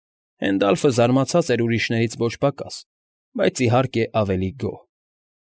Հենդալֆը զարմացած էր ուրիշներից ոչ պակաս, բայց իհարկե, ավելի գոհ։